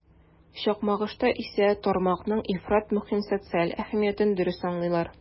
Чакмагышта исә тармакның ифрат мөһим социаль әһәмиятен дөрес аңлыйлар.